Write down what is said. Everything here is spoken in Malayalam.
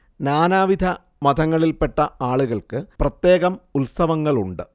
നാനാവിധ മതങ്ങളില്‍പ്പെട്ട ആളുകൾക്ക് പ്രത്യേകം ഉത്സവങ്ങളുണ്ട്